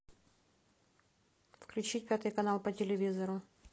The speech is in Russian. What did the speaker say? включить пятый канал по телевизору